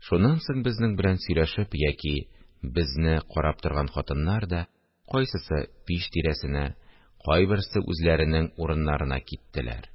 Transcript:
Шуннан соң безнең белән сөйләшеп яки безне карап торган хатыннар да кайсысы пич тирәсенә, кайберсе үзләренең урыннарына киттеләр